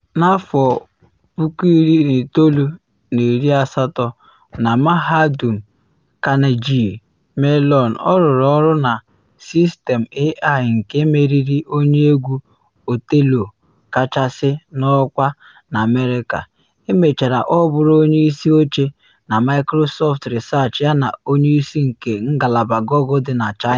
Na 1980 na Mahadum Carnegie Mellon ọ rụrụ ọrụ na sistemụ AI nke meriri onye egwu Othello kachasị n’ọkwa na America, emechara ọ bụrụ onye isi oche na Microsoft Research yana onye isi nke ngalaba Google dị na China.